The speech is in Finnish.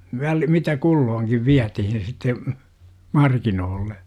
- mitä kulloinkin vietiin sitten markkinoille